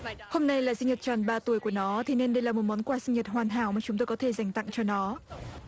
hôm nay là sinh nhật tròn ba tuổi của nó thế nên đây là một món quà sinh nhật hoàn hảo mà chúng tôi có thể dành tặng cho nó